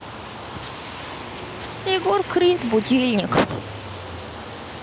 егор крид будильник